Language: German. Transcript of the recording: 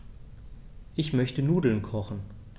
Ich möchte Nudeln kochen.